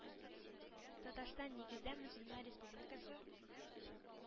Татарстан нигездә мөселман республикасы,